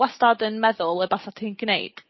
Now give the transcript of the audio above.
wastad yn meddwl y basa ti'n gneud?